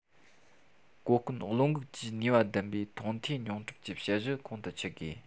གོ སྐོན བློ འགུགས ཀྱི ནུས པ ལྡན པའི མཐོང ཐོས མྱོང གྲུབ ཀྱི དཔྱད གཞི ཁོང དུ ཆུད དགོས